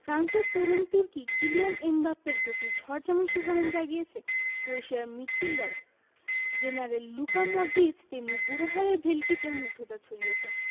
ফ্রান্সের তরুণ তুর্কি কিলিয়ান এমবাপ্পের গতির ঝড় যেমন শিহরণ জাগিয়েছে ক্রোয়েশিয়ার মিডফিল্ড জেনারেল লুকা মডরিচ তেমনি বুড়ো হাড়ের ভেলকিতে মুগ্ধতা ছড়িয়েছেন